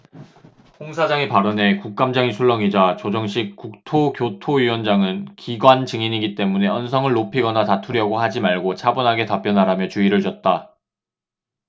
홍 사장의 발언에 국감장이 술렁이자 조정식 국토교토위원장은 기관 증인이기 때문에 언성을 높이거나 다투려고 하지 말고 차분하게 답변하라며 주의를 줬다